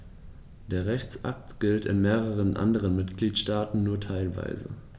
Der Rechtsakt gilt in mehreren anderen Mitgliedstaaten nur teilweise.